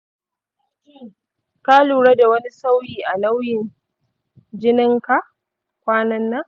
shin ka lura da wani sauyi a nauyin jikinka kwanan nan?